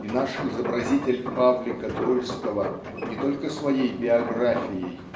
и наш изобразитель Павлика Дольского не только своей биографией